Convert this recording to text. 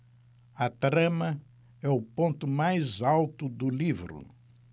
a trama é o ponto mais alto do livro